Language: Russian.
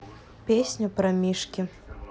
песня про мишки